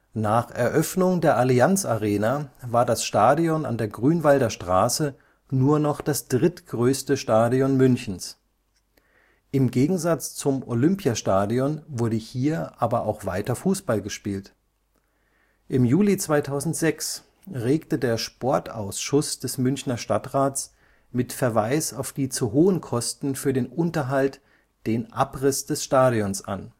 Nach Eröffnung der Allianz Arena war das Stadion an der Grünwalder Straße nur noch das drittgrößte Stadion Münchens. Im Gegensatz zum Olympiastadion wurde hier aber auch weiter Fußball gespielt. Im Juli 2006 regte der Sportausschuss des Münchner Stadtrats mit Verweis auf die zu hohen Kosten für den Unterhalt den Abriss des Stadions an